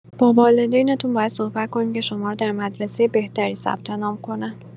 با والدینتون باید صحبت کنیم که شما رو در مدرسه بهتری ثبت‌نام کنند.